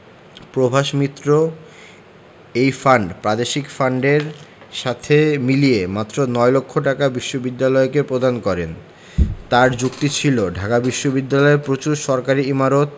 প্রভাস মিত্র এই ফান্ড প্রাদেশিক ফান্ডেলর সাথে মিলিয়ে মাত্র নয় লক্ষ টাকা বিশ্ববিদ্যালয়কে প্রদান করেন তাঁর যুক্তি ছিল ঢাকা বিশ্ববিদ্যালয় প্রচুর সরকারি ইমারত